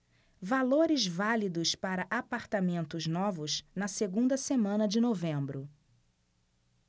valores válidos para apartamentos novos na segunda semana de novembro